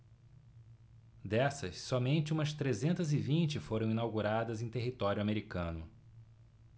dessas somente umas trezentas e vinte foram inauguradas em território americano